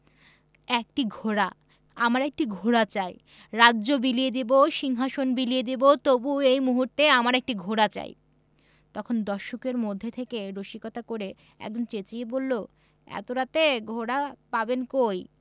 একটি ঘোড়া আমার একটি ঘোড়া চাই রাজ্য বিলিয়ে দেবো সিংহাশন বিলিয়ে দেবো তবু এই মুহূর্তে আমার একটি ঘোড়া চাই – তখন দর্শকদের মধ্য থেকে রসিকতা করে একজন চেঁচিয়ে বললো এত রাতে ঘোড়া পাবেন কই